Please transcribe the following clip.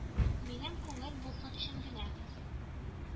Минем күңел булсын өчен генә